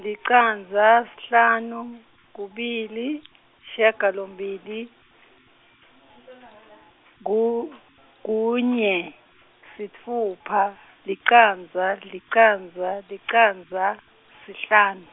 licandza sihlanu kubili sishiyagalombili ku kunye sitfupha licandza licandza licandza sihlanu.